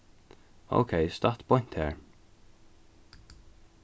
ókey statt beint har